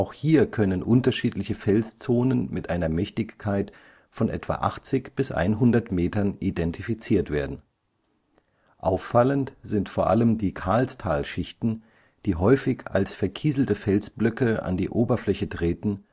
hier können unterschiedliche Felszonen mit einer Mächtigkeit von etwa 80 bis 100 Metern identifiziert werden. Auffallend sind vor allem die Karlstalschichten, die häufig als verkieselte Felsblöcke an die Oberfläche treten